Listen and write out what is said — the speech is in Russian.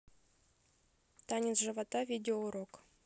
танец живота видео урок